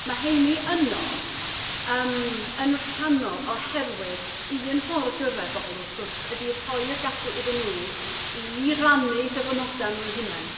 Ma' heini yno yym yn rhannol oherwydd un ffor' o gyrraedd bobl wrth gwrs ydy rhoi'r gallu iddyn nhw i rannu dyfynodau nhw eu hunain.